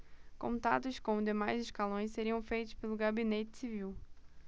contatos com demais escalões seriam feitos pelo gabinete civil